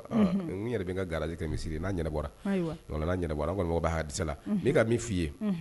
N yɛrɛ bi n ka garage kɛ misiri ye na ɲɛnabɔra . Wala na ɲɛnabɔra n kɔni mago ba halisa la. N ye ka min fi ye